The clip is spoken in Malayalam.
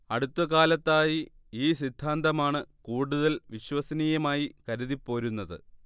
അടുത്ത കാലത്തായി ഈ സിദ്ധാന്തമാണ് കൂടുതൽ വിശ്വസനീയമായി കരുതിപ്പോരുന്നത്